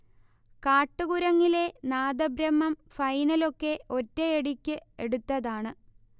'കാട്ടുകുരങ്ങിലെ നാദബ്രഹ്മം' ഫൈനലൊക്കെ ഒറ്റയടിക്ക് എടുത്തതാണ്